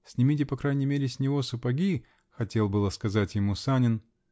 -- Снимите, по крайней мере, с него сапоги, -- хотел было сказать ему Санин.